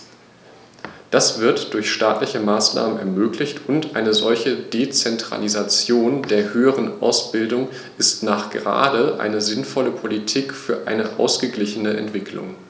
Das wird durch staatliche Maßnahmen ermöglicht, und eine solche Dezentralisation der höheren Ausbildung ist nachgerade eine sinnvolle Politik für eine ausgeglichene Entwicklung.